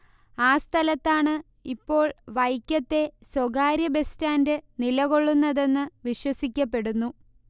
ആ സ്ഥലത്താണ് ഇപ്പോൾ വൈക്കത്തെ സ്വകാര്യ ബസ് സ്റ്റാന്റ് നിലകൊള്ളുന്നതെന്ന് വിശ്വസിക്കപ്പെടുന്നു